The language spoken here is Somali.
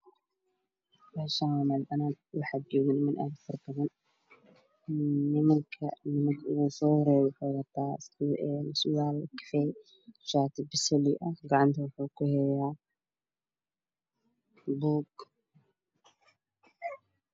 Meeshaani waa meel banaan waxaa jooga niman aad ufara badan nimanak oogu soo horeeyo wuxuu wataa surwaal cafee shaati basali ah gacanta wuxuu ku hayaa buug